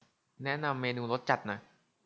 แนะนำเมนูรสจัดหน่อย